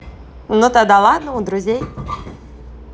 ну тогда ладно у друзей